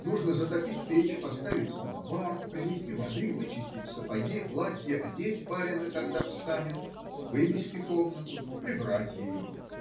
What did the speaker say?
нужно затопить печь, поставить самовар, принести воды, вычистить сапоги, платье, одеть барина, когда встанет, вымести комнату, прибрать ее.